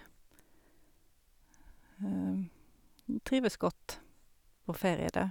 Trives godt på ferie der.